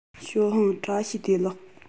ཞའོ ཝང བཀྲ ཤིས བདེ ལེགས